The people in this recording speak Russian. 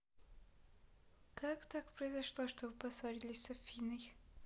как так произошло что вы поссорились с афиной